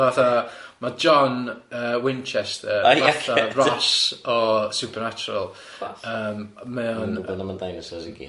...fatha ma' John yy Winchester fatha Ross o Supernatural yym mae o'n... Mae'n gwbod am y dinosaurs i gyd.